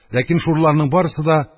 Ләкин шунларның барысы да,